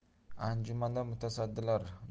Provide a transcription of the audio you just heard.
anjumanda mutasaddilar jurnalistlarni